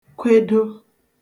kwedo